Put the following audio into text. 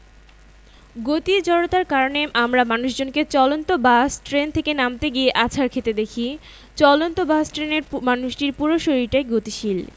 গতি জড়তার কারণে আমরা মানুষজনকে চলন্ত বাস ট্রেন থেকে নামতে গিয়ে আছাড় খেতে দেখি চলন্ত বাস ট্রেনের মানুষটির পুরো শরীরটাই গতিশীল